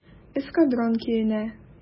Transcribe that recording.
"эскадрон" көенә.